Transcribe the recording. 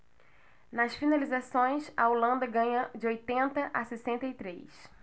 nas finalizações a holanda ganha de oitenta a sessenta e três